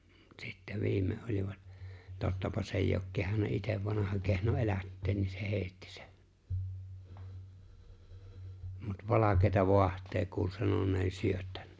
sitten viimein olivat tottapa se ei ole kehdannut itse vanha kehno elättää niin se heitti sen mutta valkeaa vaahtoa kuuli sanoneen --